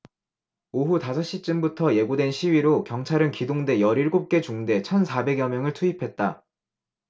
오후 다섯 시쯤부터 예고된 시위로 경찰은 기동대 열 일곱 개 중대 천 사백 여 명을 투입했다